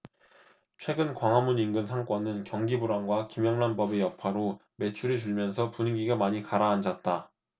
최근 광화문 인근 상권은 경기 불황과 김영란법의 여파로 매출이 줄면서 분위기가 많이 가라앉았다